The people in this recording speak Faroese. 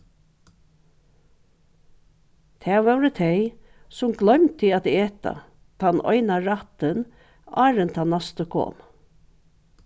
tað vóru tey sum gloymdu at eta tann eina rættin áðrenn tann næsti kom